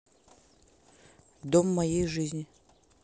дом моей жизни